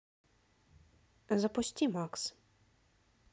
запусти макс